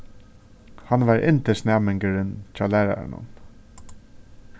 hann var yndisnæmingurin hjá læraranum